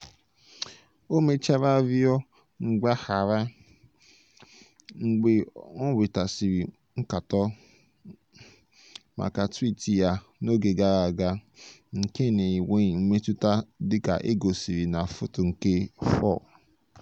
O mechara rịọ mgbaghara, mgbe o nwetasịrị nkatọ, maka twiiti ya n'oge gara aga nke "na-enweghị mmetụta" dịka e gosiri na Foto nke 4.